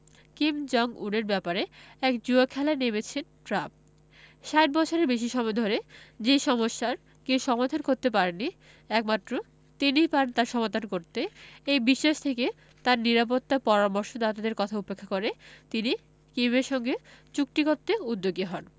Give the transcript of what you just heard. Kim Jong উনের ব্যাপারে এক জুয়া খেলায় নেমেছেন ট্রাম্প ৬০ বছরের বেশি সময় ধরে যে সমস্যার কেউ সমাধান করতে পারেনি একমাত্র তিনিই পারেন তার সমাধান করতে এই বিশ্বাস থেকে তাঁর নিরাপত্তা পরামর্শদাতাদের কথা উপেক্ষা করে তিনি কিমের সঙ্গে চুক্তি করতে উদ্যোগী হন